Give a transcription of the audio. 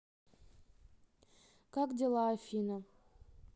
как дела афина